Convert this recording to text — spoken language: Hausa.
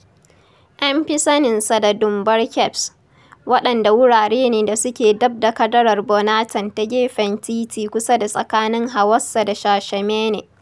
An fi sanin su da Dunbar Caɓes, waɗanda wurare ne da suke daf da kadarar Bonatan ta gefen titi kusa da tsakanin Hawassa da Shashamene